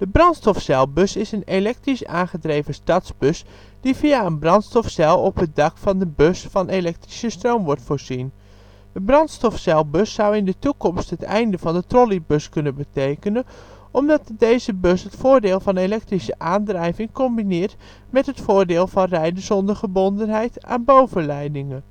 brandstofcelbus is een elektrisch aangedreven stadsbus die via een brandstofcel op het dak van de bus van elektrische stroom wordt voorzien. De brandstofcelbus zou in de toekomst het einde van de trolleybus kunnen betekenen, omdat de deze bus het voordeel van elektrische aandrijving combineert met het voordeel van rijden zonder gebondenheid aan bovenleidingen